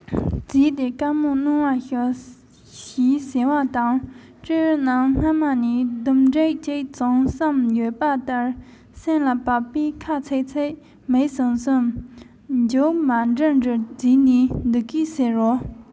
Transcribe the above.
བྱེད དེ བཀའ མོལ གནང བར ཞུ ཞེས ཟེར བ དང སྤྲེའུ རྣམས སྔ མ ནས སྡུམ འགྲིག ཅིག བྱུང བསམ ཡོད པ ལྟར སེམས ལ བབས པས ཁ ཚེག ཚེག མིག ཟུམ ཟུམ མཇུག མ འགྲིལ འགྲིལ བྱས ནས འདི སྐད ཟེར རོ